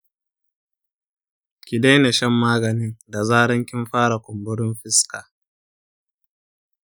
ki daina shan maganin da zaran kin fara kumburin fuska.